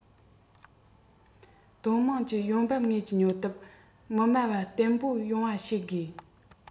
སྡོད དམངས ཀྱི ཡོང འབབ དངོས ཀྱི ཉོ སྟོབས མི དམའ བ བརྟན པོ ཡོང བ བྱེད དགོས